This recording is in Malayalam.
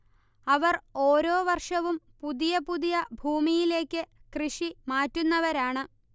അവർ ഓരോ വർഷവും പുതിയ പുതിയ ഭൂമിയിലേക്ക് കൃഷി മാറ്റുന്നവരാണ്